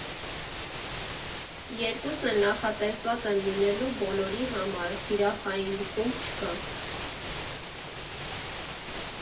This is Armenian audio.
Երկուսն էլ նախատեսված են լինելու բոլորի համար, թիրախային խումբ չկա։